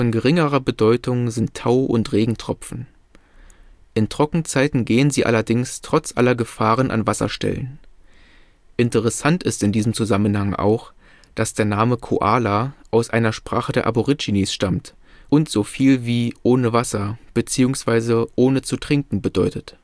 geringerer Bedeutung sind Tau und Regentropfen. In Trockenzeiten gehen sie allerdings trotz aller Gefahren an Wasserstellen. Interessant ist in diesem Zusammenhang auch, dass der Name „ Koala “aus einer Sprache der Aborigines stammt und so viel wie „ ohne Wasser “bzw. „ ohne zu trinken “bedeutet